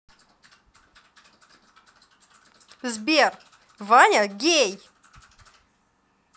сбер ваня гей